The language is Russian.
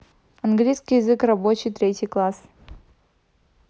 английский язык рабочий третий класс